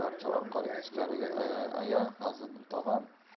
darcha orqali ichkariga aya fazliddin tog'oyim